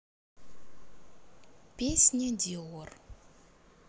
песня диор